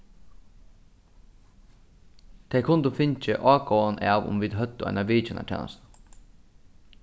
tey kundu fingið ágóðan av um vit høvdu eina vitjanartænastu